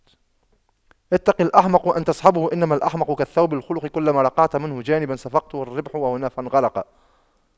اتق الأحمق أن تصحبه إنما الأحمق كالثوب الخلق كلما رقعت منه جانبا صفقته الريح وهنا فانخرق